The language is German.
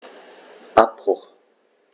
Abbruch.